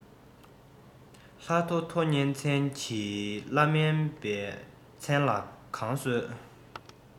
ལྷ ཐོ ཐོ གཉན བཙན གྱི བླ སྨན པ དེའི མཚན ལ གང གསོལ